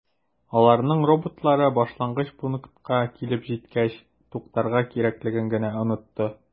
Аларның роботлары башлангыч пунктка килеп җиткәч туктарга кирәклеген генә “онытты”.